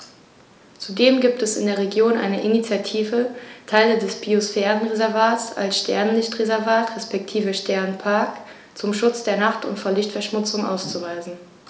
Zudem gibt es in der Region eine Initiative, Teile des Biosphärenreservats als Sternenlicht-Reservat respektive Sternenpark zum Schutz der Nacht und vor Lichtverschmutzung auszuweisen.